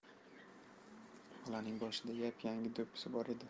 bolaning boshida yap yangi do'ppisi bor edi